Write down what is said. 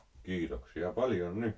kiitoksia paljon nyt